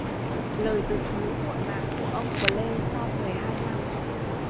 lời tự thú muộn màng của ông blair sau mười hai năm